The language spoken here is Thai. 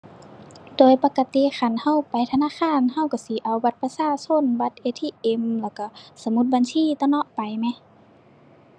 โดยปกติคันเราไปธนาคาร เราเราสิเอาบัตรประชาชน บัตร ATM แล้วเราสมุดบัญชีตั่วเนาะ ไปแหม